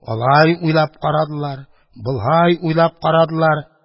Алай уйлап карадылар, болай уйлап карадылар.